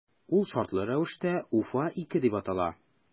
Ул шартлы рәвештә “Уфа- 2” дип атала.